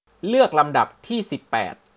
เลือกลำดับที่สิบแปด